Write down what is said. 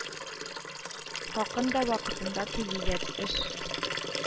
Хакын да вакытында түлиләр, эш